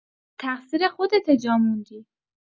تقصیر خودته جا موندی.